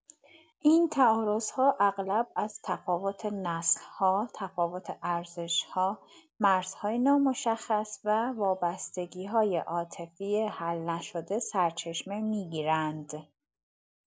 این تعارض‌ها اغلب از تفاوت نسل‌ها، تفاوت ارزش‌ها، مرزهای نامشخص و وابستگی‌های عاطفی حل‌نشده سرچشمه می‌گیرند.